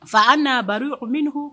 Fa nari o min